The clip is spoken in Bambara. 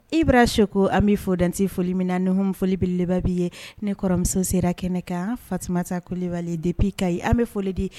Ib bɛra seko an b'i fɔ dante foli minna na ni hm foliolibeleb bɛ ye ne kɔrɔmuso sera kɛnɛ kan fatuma ta koli dep ka ɲi an bɛ foli di